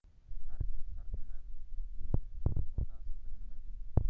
har kim har nima deydi qiz otasi bir nima deydi